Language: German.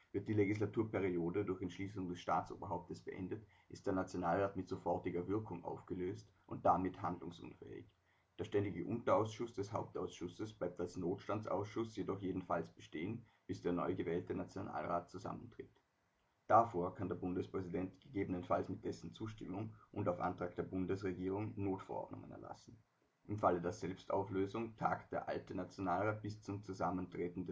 Wird die Legislaturperiode durch Entschließung des Staatsoberhauptes beendet, ist der Nationalrat mit sofortiger Wirkung aufgelöst und damit handlungsunfähig. Der ständige Unterausschuss des Hauptausschusses bleibt als Notstandsausschuss jedoch jedenfalls bestehen, bis der neu gewählte Nationalrat zusammentritt. Davor kann der Bundespräsident gegebenenfalls mit dessen Zustimmung und auf Antrag der Bundesregierung Notverordnungen erlassen. Im Falle der Selbstauflösung tagt der alte Nationalrat bis zum Zusammentreten